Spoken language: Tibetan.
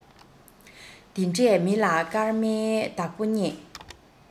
དེ འདྲས མི ལ སྐར མའི བདག པོ རྙེད